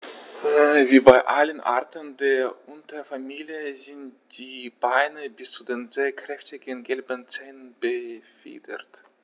Wie bei allen Arten der Unterfamilie sind die Beine bis zu den sehr kräftigen gelben Zehen befiedert.